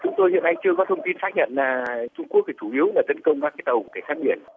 chúng tôi hiện nay chưa có thông tin xác nhận là trung quốc thì chủ yếu là tấn công tàu của cảnh sát biển